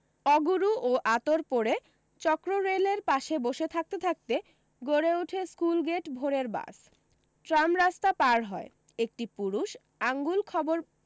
অগুরু ও আতর পোড়ে চক্ররেলের পাশে বসে থাকতে থাকতে গড়ে ওঠে স্কুলগেট ভোরের বাস ট্রামরাস্তা পার হয় একটি পুরুষ আঙুল খবর